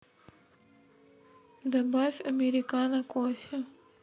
добавь американо кофе